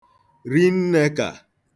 rinnē k̀à